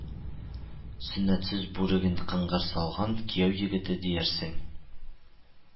Сөннәтсез бүреген кыңгыр салган – кияү егете диярсең